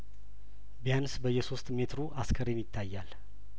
ቢያንስ በየሶስት ሜትሩ አስክሬን ይታያል